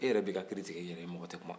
e yɛrɛ b'i ka kiri tigɛ i yɛrɛ ye mɔgɔ tɛ kuma